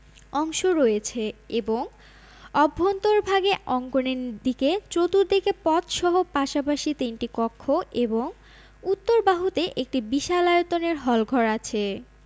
অংশ রয়েছে এবং অভ্যন্তরভাগে অঙ্গনের দিকে চতুর্দিকে পথসহ পাশাপাশি তিনটি কক্ষ এবং উত্তর বাহুতে একটি বিশাল আয়তনের হলঘর আছে